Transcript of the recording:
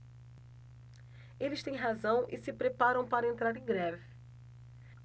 eles têm razão e se preparam para entrar em greve